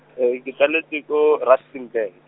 ke tsaletswe ko Rustenburg.